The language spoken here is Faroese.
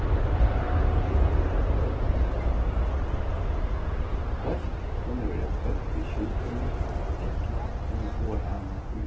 fólk kunnu vera fødd við sjúkuni ella kunnu fáa hana í